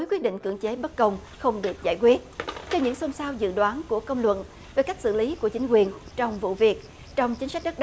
quyết định cưỡng chế bất công không được giải quyết những xôn xao dự đoán của công luận cái cách xử lý của chính quyền trong vụ việc trong chính sách trước